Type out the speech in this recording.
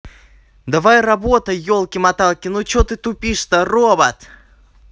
давай работай елки моталки ну ты че тупишь то робот